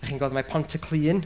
dach chi'n gweld mai Pontyclun,